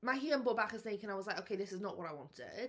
Mae hi yn bod bach yn snake and I was like, okay, this is not what I wanted.